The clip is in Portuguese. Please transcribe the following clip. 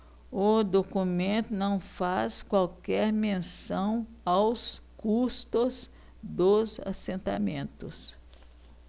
o documento não faz qualquer menção aos custos dos assentamentos